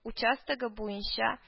Участогы буенча